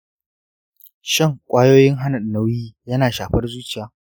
shan kwayoyin hana nauyi yana shafar zuciya?